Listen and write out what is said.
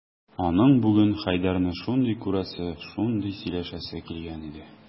Аның бүген Хәйдәрне шундый күрәсе, шундый сөйләшәсе килгән иде...